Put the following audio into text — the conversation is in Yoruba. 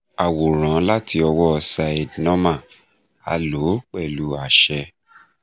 Àwòrán láti ọwọ́ọ Syed Noman. A lò ó pẹ̀lú àṣẹ.